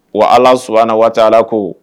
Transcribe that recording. Wa ala s waati ko